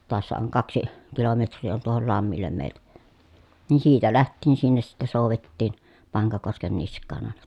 taassa on kaksi kilometriä on tuohon lammelle meiltä niin siitä lähtien sinne sitten soudettiin Pankakosken niskaan aina